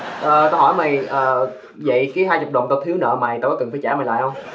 ờ tao hỏi mày ờ dị cái hai chục đồng tao thiếu nợ mày tao có cần phải trả mày lại không